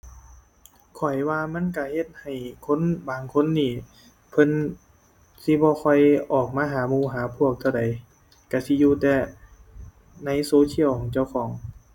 ข้อยว่ามันก็เฮ็ดให้คนบางคนนี่ เพิ่นสิบ่ค่อยออกมาหาหมู่หาพวกเท่าใด ก็สิอยู่แต่ในโซเชียลของเจ้าของ